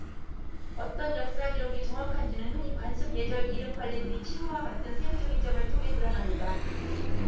어떤 역사 기록이 정확한지는 흔히 관습 예절 이름 관리들의 칭호와 같은 세부적인 점을 통해 드러납니다